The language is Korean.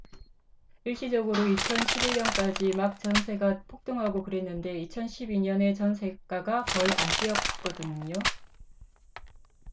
일시적으로 이천 십 일 년까지 막 전세가 폭등하고 그랬는데 이천 십 이 년에 전세가가 거의 안 뛰었거든요